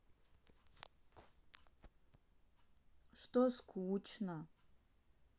что скучно